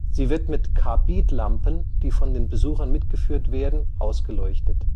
Sie wird mit Karbidlampen, die von den Besuchern mitgeführt werden, ausgeleuchtet